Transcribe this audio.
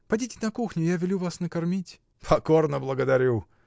Подите на кухню: я велю вас накормить. — Покорно благодарю.